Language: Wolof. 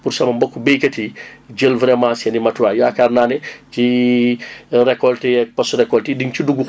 pour sama mbokku béykat yi jël vraiment seen i matuwaay yaakaar naa ne ci récolte yeeg post récolte yi di nga ci dugg